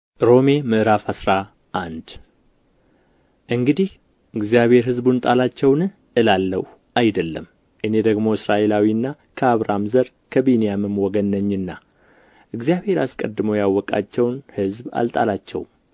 ሮሜ ምዕራፍ አስራ አንድ እንግዲህ እግዚአብሔር ሕዝቡን ጣላቸውን እላለሁ አይደለም እኔ ደግሞ እስራኤላዊና ከአብርሃም ዘር ከብንያምም ወገን ነኝና እግዚአብሔር አስቀድሞ ያወቃቸውን ሕዝብ አልጣላቸውም